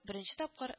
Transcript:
Беренче тапкыр